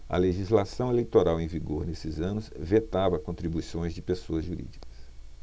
a legislação eleitoral em vigor nesses anos vetava contribuições de pessoas jurídicas